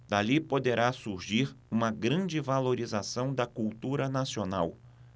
dali poderá surgir uma grande valorização da cultura nacional